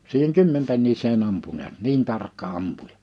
siihen kymmenpenniseen ampui näet niin tarkka ampuja